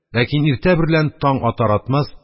Ләкин иртә берлән, таң атар-атмас,